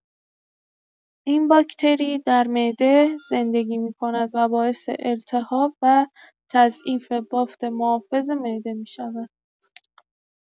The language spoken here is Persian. این باکتری در معده زندگی می‌کند و باعث التهاب و تضعیف بافت محافظ معده می‌شود.